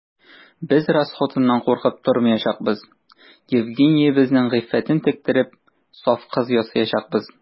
Без расхутыннан куркып тормаячакбыз: Евгениябезнең гыйффәтен тектереп, саф кыз ясаячакбыз.